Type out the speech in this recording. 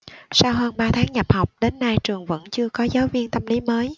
sau hơn ba tháng nhập học đến nay trường vẫn chưa có giáo viên tâm lý mới